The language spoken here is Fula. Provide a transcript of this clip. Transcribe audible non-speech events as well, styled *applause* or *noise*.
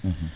*hesitation* *hesitation*